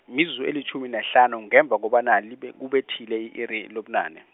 mizuzu elitjhumi nahlanu, ngemva kobana libe- kubethile i-iri lobunane.